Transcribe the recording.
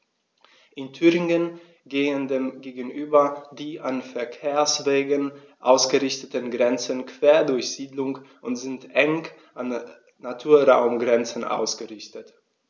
In Thüringen gehen dem gegenüber die an Verkehrswegen ausgerichteten Grenzen quer durch Siedlungen und sind eng an Naturraumgrenzen ausgerichtet.